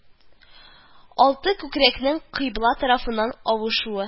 Алты күкрәкнең кыйбла тарафыннан авышуы